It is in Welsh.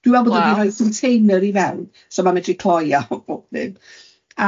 Dwi'n meddwl bod o di roi ...Waw... roi container i fewn, so ma'n medru cloi a bob ddim.